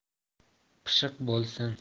pishiq bo'lsin